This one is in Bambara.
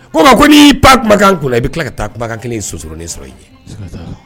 Ko ko n'ii ba kumakan kun i bɛ tila ka taa kumakan kelen sosurun ne sɔrɔ i ɲɛ